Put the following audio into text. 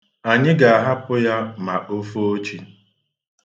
Anyị ga-ahapụ ya ma o foo chi.